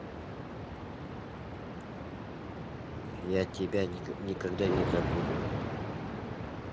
я тебя никогда не забуду